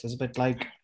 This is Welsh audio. *It's a bit like..."